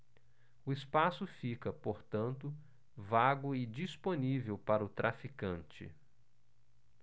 o espaço fica portanto vago e disponível para o traficante